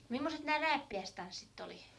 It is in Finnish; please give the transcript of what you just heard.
mimmoiset nämä rääppiäistanssit oli